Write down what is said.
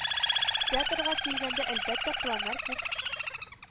Театрга килгәндә, әлбәттә, планнар күп